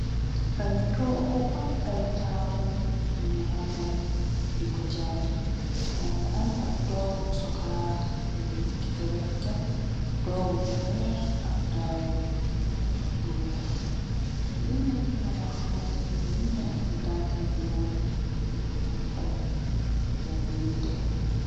Ay toggu ab ay tabul, yun rangale di ko jay, mo nga am ab toggo bu sokala yu nekk ce wedga, toggu bu weex ak tabul bu weex, li nekk nalo xamantani, nunan ci dansen doore njir mëna faj yen yitte.